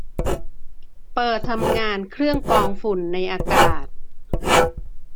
เปิดทำงานเครื่องกรองฝุ่นในอากาศ